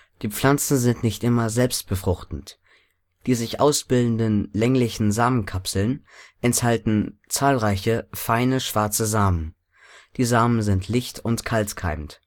Die Pflanzen sind nicht immer selbstbefruchtend, die sich ausbildenden länglichen Samenkapseln enthalten zahlreiche feine, schwarze Samen. Die Samen sind licht - und kaltkeimend